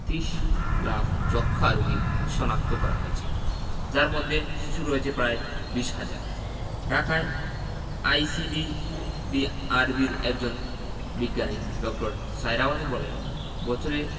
৩০ লাখ যক্ষ্মা রোগী শনাক্ত করা হয়েছে যার মধ্যে শিশু রয়েছে প্রায় ২০ হাজার ঢাকায় আইসিডিডিআরবির একজন বিজ্ঞানী ড. সায়েরা বানু বলেন বছরে